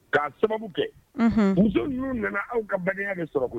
K'a sababu kɛ muso ninnu nana aw ka bange de sɔrɔ